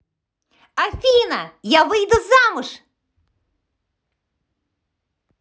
афина я выйду замуж